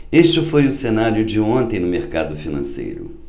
este foi o cenário de ontem do mercado financeiro